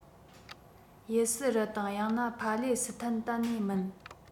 དབྱི སི རལ དང ཡང ན ཕ ལེ སི ཐན གཏན ནས མིན